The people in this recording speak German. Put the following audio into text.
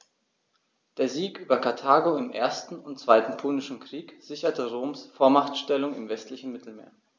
Der Sieg über Karthago im 1. und 2. Punischen Krieg sicherte Roms Vormachtstellung im westlichen Mittelmeer.